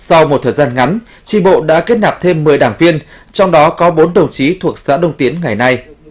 sau một thời gian ngắn chi bộ đã kết nạp thêm mười đảng viên trong đó có bốn đồng chí thuộc xã đông tiến ngày nay